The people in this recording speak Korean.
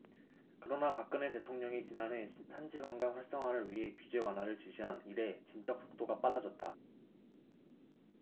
그러나 박근혜 대통령이 지난해 산지관광 활성화를 위해 규제 완화를 지시한 이래 진척 속도가 빨라졌다